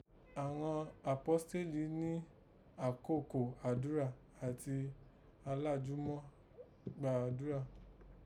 Àghan Àpọ́sítélì ni àkókò àdúrà àti alájùmọ̀ gba àdúrà